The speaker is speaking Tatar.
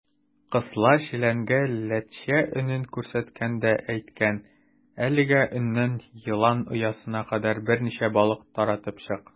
Кысла челәнгә ләтчә өнен күрсәткән дә әйткән: "Әлеге өннән елан оясына кадәр берничә балык таратып чык".